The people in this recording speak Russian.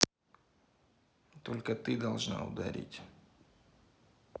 только ты должна ударить